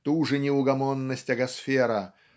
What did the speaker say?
ту же неугомонность Агасфера